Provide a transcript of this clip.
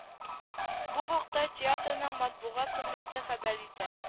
Бу хакта театрның матбугат хезмәте хәбәр итә